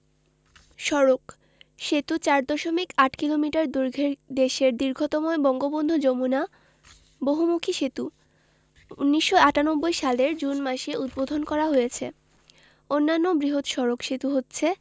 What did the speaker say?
সড়কঃ সেতু ৪দশমিক ৮ কিলোমিটার দৈর্ঘ্যের দেশের দীর্ঘতম বঙ্গবন্ধু যমুনা বহুমুখী সেতু ১৯৯৮ সালের জুন মাসে উদ্বোধন করা হয়েছে অন্যান্য বৃহৎ সড়ক সেতু হচ্ছে